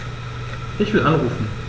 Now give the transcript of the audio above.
Ich will anrufen.